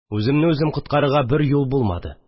Үземне үзем коткарырга бер юл булмады